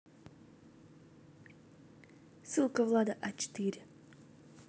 ссылка влада а четыре